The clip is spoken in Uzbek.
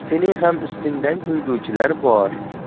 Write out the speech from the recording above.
sening ham holingga kulguvchilar bor